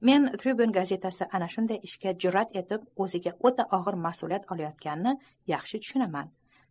men tribyun gazetasi ana shunday ishga jur'at etib o'ziga o'ta og'ir mas'uliyat olayotganini yaxshi tushunaman